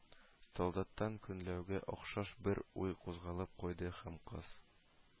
Солдаттан көнләүгә охшаш бер уй кузгалып куйды һәм кыз